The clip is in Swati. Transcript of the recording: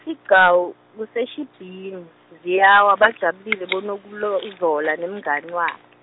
Sigcawu, Kuseshibhini ziyawa bajabulile boNokulowu- -uzola nemngani wakhe.